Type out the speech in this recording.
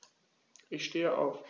Ich stehe auf.